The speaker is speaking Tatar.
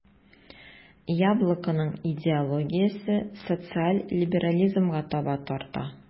"яблоко"ның идеологиясе социаль либерализмга таба тарта.